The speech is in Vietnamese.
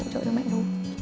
trợ cho mẹ thôi